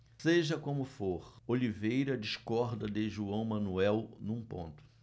seja como for oliveira discorda de joão manuel num ponto